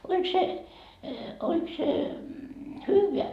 oliko se oliko se hyvää